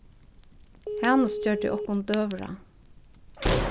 hanus gjørdi okkum døgurða